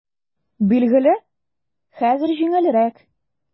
Билгеле, хәзер җиңелрәк.